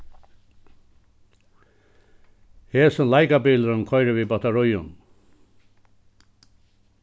hesin leikabilurin koyrir við battaríum